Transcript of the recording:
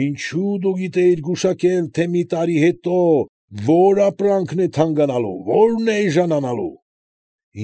Ինչո՞ւ դու գիտեիր գուշակել, թե մի տարի հետո որ ապրանքն է թանկանալու, որն է էժանանալու։